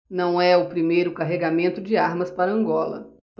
não é o primeiro carregamento de armas para angola